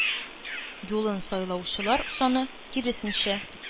Юлын сайлаучылар саны, киресенчә,